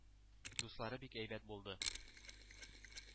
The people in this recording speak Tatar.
Дуслары бик әйбәт булды.